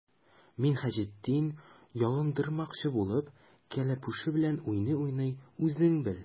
Минһаҗетдин, ялындырмакчы булып, кәләпүше белән уйный-уйный:— Үзең бел!